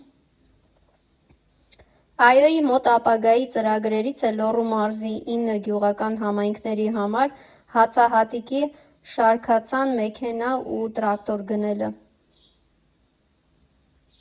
ԱՅՈ֊ի մոտ ապագայի ծրագրերից է Լոռու մարզի ինը գյուղական համայնքների համար հացահատիկի շարքացան մեքենա ու տրակտոր գնելը։